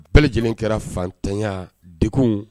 Bɛɛ lajɛlen kɛra fantanya degun.